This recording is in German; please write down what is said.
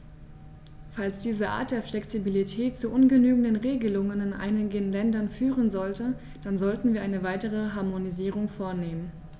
Falls diese Art der Flexibilität zu ungenügenden Regelungen in einigen Ländern führen sollte, dann sollten wir eine weitere Harmonisierung vornehmen.